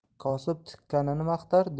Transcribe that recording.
kosib tikkanini maqtar